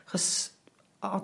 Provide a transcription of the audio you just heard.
Achos o- o-...